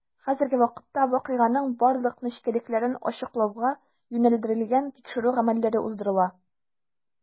Хәзерге вакытта вакыйганың барлык нечкәлекләрен ачыклауга юнәлдерелгән тикшерү гамәлләре уздырыла.